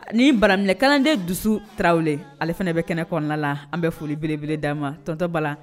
Ni baraminɛkaden dusu taraweleraww ale fana bɛ kɛnɛ kɔnɔna la an bɛ foli belebele d' ma tɔntɔ bala